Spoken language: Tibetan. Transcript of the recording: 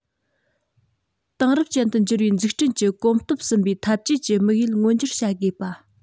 དེང རབས ཅན དུ འགྱུར བའི འཛུགས སྐྲུན གྱི གོམ སྟབས གསུམ པའི འཐབ ཇུས ཀྱི དམིགས ཡུལ མངོན འགྱུར བྱ དགོས པ